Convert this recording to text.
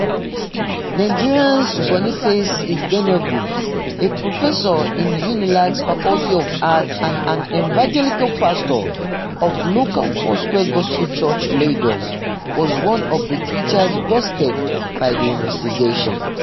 Nigeria's Boniface Igbeneghu, a professor in UNILAG'S faculty of art and an evangelical pastor of local Foursquare Gospel Church, Lagos, was one of the teachers busted by the investigation.